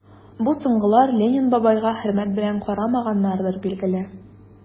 Бу соңгылар Ленин бабайга хөрмәт белән карамаганнардыр, билгеле...